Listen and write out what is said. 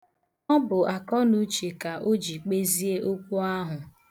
Ọ bụ akọnuuche ka o ji kpezie okwu ahụ.